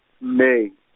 May.